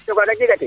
to kaga jega te